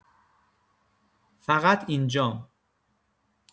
فقط اینجام.